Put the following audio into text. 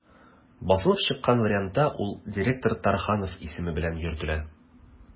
Басылып чыккан вариантта ул «директор Тарханов» исеме белән йөртелә.